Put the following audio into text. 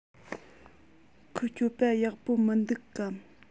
ཁོའི སྤྱོད པ ཡག པོ མི འདུག གམ